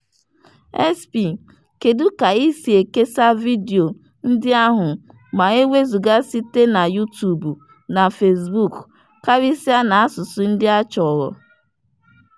SP: Kedụ ka ị sị ekesa vidiyo ndị ahụ ma e wezụga site na YouTube na Fezbuk, karịsịa n'asụsụ ndị achọrọ?